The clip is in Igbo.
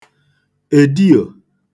èdiò